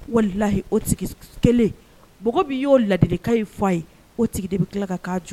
Waliyi o kelenɔgɔ bɛ y'o ladili ka ye fa ye o tigi de bɛ tila ka k' jɔ